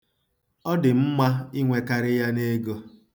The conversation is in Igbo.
Ọ dị mma inwekarị ya n'ego.